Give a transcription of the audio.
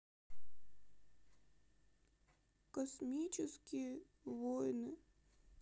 космические войны